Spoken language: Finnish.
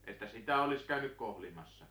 Että sitä olisi käynyt kohlimassa